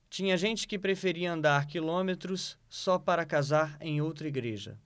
tinha gente que preferia andar quilômetros só para casar em outra igreja